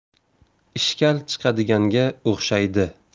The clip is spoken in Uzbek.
ishkal chiqadiganga o'xshaydi